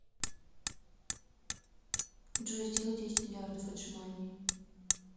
джой сделай десять миллиардов отжиманий